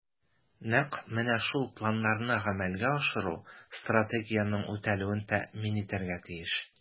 Нәкъ менә шул планнарны гамәлгә ашыру Стратегиянең үтәлүен тәэмин итәргә тиеш.